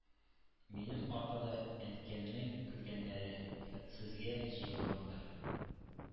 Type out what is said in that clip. Минем аркада Әнкәмнең күргәннәре хәтсезгә җыелгандыр.